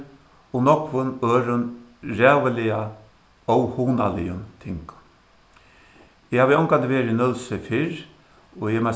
og nógvum øðrum ræðuliga óhugnaligum tingum eg havi ongantíð verið í nólsoy fyrr og eg má